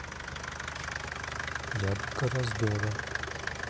яблоко раздора